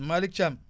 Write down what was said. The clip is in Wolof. Malick Thiam